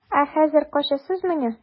Ә хәзер качасызмыни?